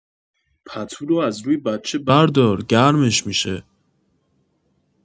پتو رو از روی بچه بردار گرمش می‌شه